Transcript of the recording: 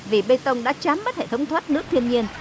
vì bê tông đã chắn mất hệ thống thoát nước thiên nhiên